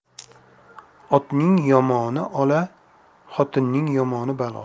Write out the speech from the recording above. otning yomoni ola xotinning yomoni balo